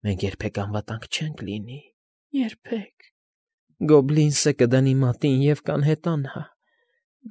Մենք երբեք անվտանգ չենք լինի, երբեք, գոլլմ… Գոբլինս֊ս֊սը կդնի մատին ու կանհետանա։